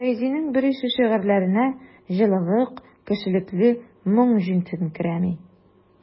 Фәйзинең берише шигырьләренә җылылык, кешелекле моң җитенкерәми.